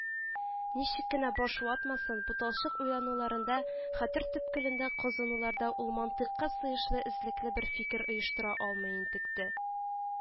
Ничек кенә баш ватмасын, буталчык уйлануларында, хәтер төпкелендә казынуларда ул мантыйкка сыешлы эзлекле бер фикер оештыра алмый интекте